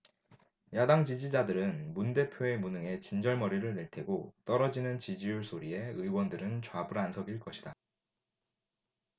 야당 지지자들은 문 대표의 무능에 진절머리를 낼 테고 떨어지는 지지율 소리에 의원들은 좌불안석일 것이다